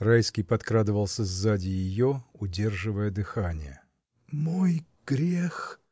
Райский подкрадывался сзади ее, удерживая дыхание. — Мой грех!